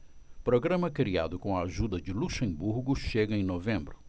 programa criado com a ajuda de luxemburgo chega em novembro